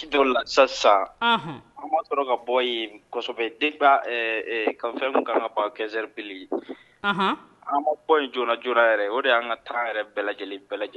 Sisan an ka bɔsɛbɛ kafɛn kana ba kɛzsɛri bi an bɔ jnaj yɛrɛ o de y' ka taa yɛrɛ bɛɛ lajɛlen bɛɛ lajɛlen